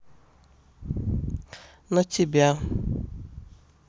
на тебя